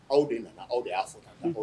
Aw de nana aw y'a sɔrɔ